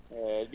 eeyi